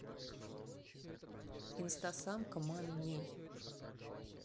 instasamka mommy ней